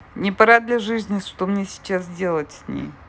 не пора для жизни что мне сейчас делать с ней